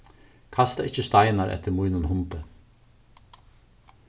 kasta ikki steinar eftir mínum hundi